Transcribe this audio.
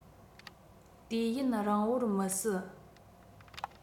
དུས ཡུན རིང བོར མི སྲིད